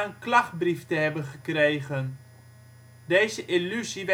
klachtbrief te hebben gekregen. Deze illusie